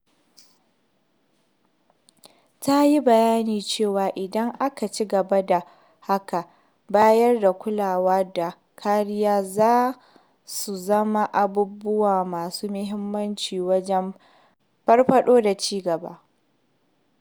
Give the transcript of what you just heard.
Ta yi bayanin cewa idan aka cigaba da hakan, bayar da kulawa da kariya za su zama abubuwa masu muhimmanci wajen farfaɗowa da cigaba.